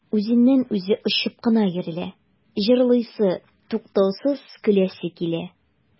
Үзеннән-үзе очып кына йөрелә, җырлыйсы, туктаусыз көләсе килә.